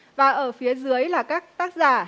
và ở phía dưới là các tác giả